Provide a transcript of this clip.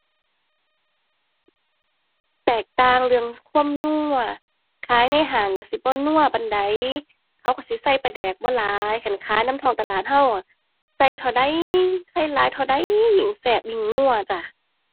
แตกต่างเรื่องความนัว ขายในห้างก็สิบ่นัวปานใด เขาก็สิใส่ปลาแดกบ่หลาย คันขายนำท้องตลาดก็อะ ใส่เท่าใด ใส่หลายเท่าใดยิ่งแซ่บยิ่งนัวจ้า